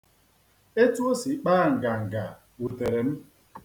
Etu o si kpaa nganga wutere m.